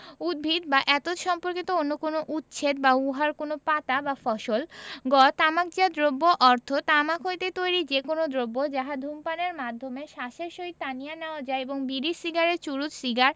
উদ্ভিদ বা এতদ্ সম্পর্কিত অন্য কোন উদ্ছিদ বা উহাদের কোন পাতা বা ফসল গ তামাকজাত দ্রব্য অর্থ তামাক হইতে তৈরী যে কোন দ্রব্য যাহা ধূমপানের মাধ্যমে শ্বাসের সহিত টানিয়া নেওয়া যায়এবং বিড়ি সিগারেট চুরুট সিগার